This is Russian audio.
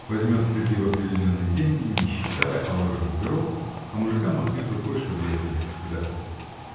Возьмет стыдливо привезенные деньги, не считая, положит в бюро, а мужикам махнет рукой, чтоб ехали, куда хотят.